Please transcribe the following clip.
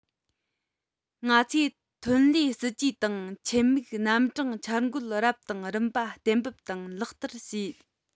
ང ཚོས ཐོན ལས སྲིད ཇུས དང ཆེད དམིགས རྣམ གྲངས འཆར འགོད རབ དང རིམ པ གཏན འབེབས དང ལག བསྟར བྱས